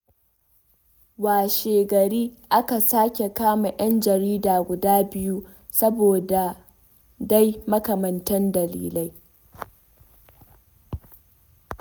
Washe-gari aka sake kama 'yan jarida guda biyu saboda dai makamantan dalilai.